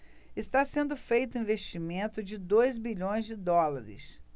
está sendo feito um investimento de dois bilhões de dólares